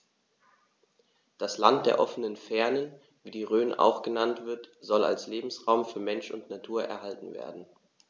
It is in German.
Das „Land der offenen Fernen“, wie die Rhön auch genannt wird, soll als Lebensraum für Mensch und Natur erhalten werden.